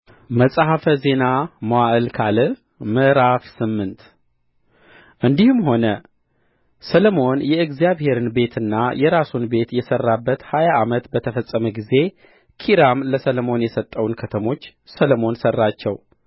መጽሐፈ ዜና መዋዕል ካልዕ ምዕራፍ ስምንት እንዲህም ሆነ ሰሎሞን የእግዚአብሔርን ቤትና የራሱን ቤት የሠራበት ሀያ ዓመት በተፈጸመ ጊዜ ኪራም ለሰሎሞን የሰጠውን ከተሞች ሰሎሞን ሠራቸው